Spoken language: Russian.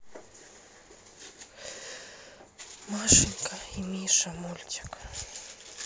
маша и миша мультик